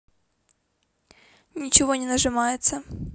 ничего не нажимается